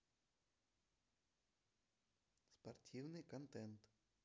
спортивный контент